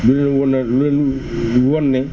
lu leen wanal lu leen wan ne